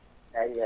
eeyi eeyi